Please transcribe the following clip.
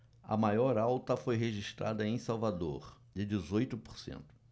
a maior alta foi registrada em salvador de dezoito por cento